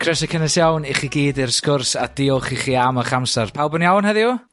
Croeso cynes iawn i chi gyd i'r sgwrs a diolch i chi am 'ych amser. Pawb yn iawn heddiw?